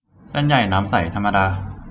เส้นใหญ่น้ำใสธรรมดา